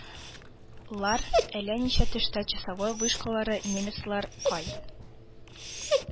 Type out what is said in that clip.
Лар, әллә ничә төштә часовой вышкалары, немецлар кай